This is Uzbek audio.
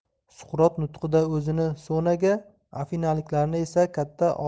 suqrot nutqida o'zini so'naga afinaliklarni esa katta